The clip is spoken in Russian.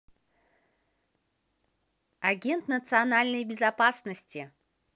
агент национальной безопасности